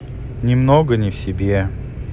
немного не в себе